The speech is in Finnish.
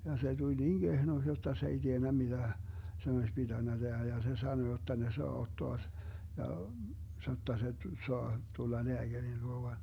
ja se tuli niin kehnoksi jotta se ei tiennyt mitä sen olisi pitänyt tehdä ja se sanoi jotta ne saa ottaa - ja sanoi jotta se saa tulla lääkärin luo vain